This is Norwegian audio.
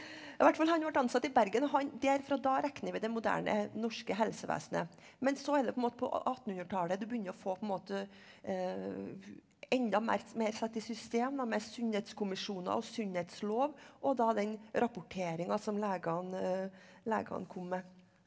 hvert fall han vart ansatt i Bergen og han der fra da regner vi det moderne norske helsevesenet, men så er det på en måte på attenhundretallet du begynner å få på en måte enda mer mer satt i system da med sunnhetskommisjoner og sunnhetslov og da den rapporteringa som legene legene kom med.